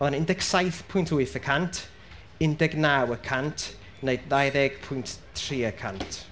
Oedd o'n {undeg saith pwynt wyth} y cant, undeg naw y cant neu dauddeg pwynt tri y cant?